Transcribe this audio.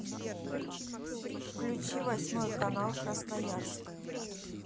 включи восьмой канал красноярск